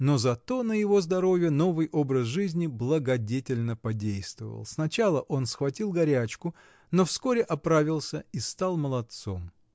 но зато на его здоровье новый образ жизни благодетельно подействовал: сначала он схватил горячку, но вскоре оправился и стал молодцом.